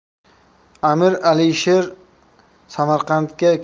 amir alisher samarqandga kelganlarida mana